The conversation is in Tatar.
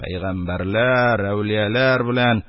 Пәйгамбәрләр, әүлияләр белән